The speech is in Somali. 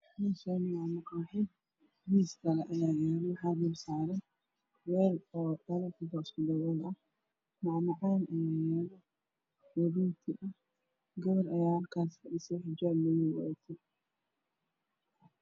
Meeshaan waa maqaayad miis dhalo ah ayaa yaalo waxaa dulsaaran weel dhalo ah iyo macmacaan oo gaduud ah gabar ayaa halkaas fadhiso oo xijaab madow wadato.